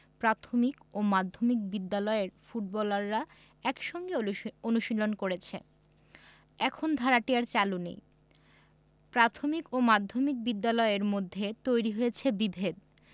প্রাথমিক ও মাধ্যমিক বিদ্যালয়ের ফুটবলাররা একসঙ্গে অনুশীলন করেছে এখন ধারাটি আর চালু নেই প্রাথমিক ও মাধ্যমিক বিদ্যালয়ের মধ্যে তৈরি হয়েছে বিভেদ